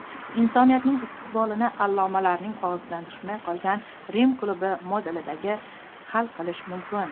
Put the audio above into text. insoniyatning istiqbolini allomalarning og'zidan tushmay qolgan rim klubi modelidagiday hal qilish mumkin